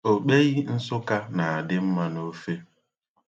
Okpei Nsụka na-adị mma n'ofe.